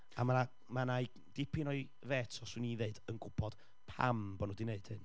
A ma' 'na, ma' 'na ei... dipyn o'i fets o 'swn i'n ddeud, yn gwybod pam bod nhw 'di wneud hyn.